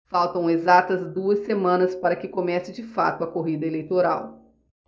faltam exatas duas semanas para que comece de fato a corrida eleitoral